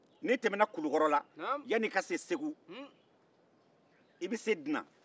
n'i tɛmɛna kulukɔrɔ la yanni i ka se segu i bɛ se dinan